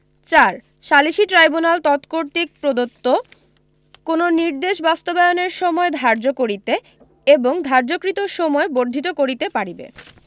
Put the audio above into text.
৪ সালিসী ট্রইব্যুনাল তৎকর্তৃক প্রদত্ত কোন নির্দেশ বাস্তবায়নের সময় ধার্য করিতে এবং ধার্যকৃত সময় বর্ধিত করিতে পারিবে